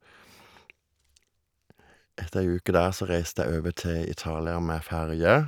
Etter ei uke der så reiste jeg over til Italia med ferje.